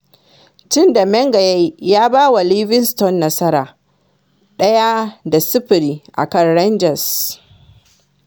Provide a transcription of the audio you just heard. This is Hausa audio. Cin da Menga ya yi ya ba wa Livingston nasara 1 da 0 a kan Rangers